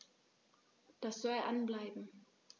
Das soll an bleiben.